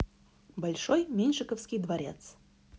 большой меньшиковский дворец